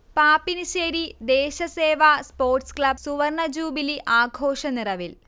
Pappinisseri Desha Seva sports club സുവർണജൂബിലി ആഘോഷനിറവിൽ